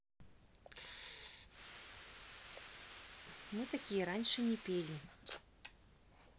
мы такие раньше не пели